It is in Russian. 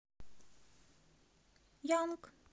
young